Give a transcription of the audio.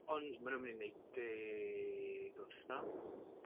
Ond maen nhw'n mynd i wneud deg wythnos?